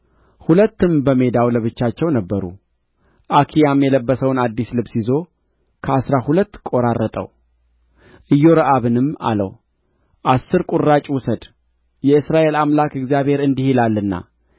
ሁለቱም በሜዳው ለብቻቸው ነበሩ አኪያም የለበሰውን አዲስ ልብስ ይዞ ከአሥራ ሁለት ቈራረጠው ኢዮርብዓምንም አለው አሥር ቍራጭ ውሰድ የእስራኤል አምላክ እግዚአብሔር እንዲህ ይላልና